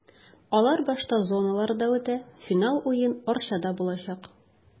Алар башта зоналарда үтә, финал уен Арчада булачак.